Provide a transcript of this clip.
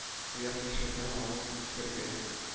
Кыяр-кишердән авыз итәргә